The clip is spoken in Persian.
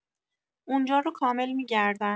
اونجا رو کامل می‌گردن